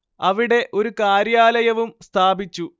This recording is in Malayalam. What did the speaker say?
അവിടെ ഒരു കാര്യാലയവും സ്ഥാപിച്ചു